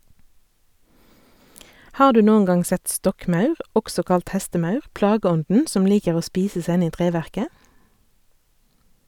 Har du noen gang sett stokkmaur, også kalt hestemaur, plageånden som liker å spise seg inn i treverket?